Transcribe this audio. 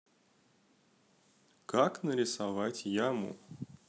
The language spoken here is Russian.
как нарисовать яму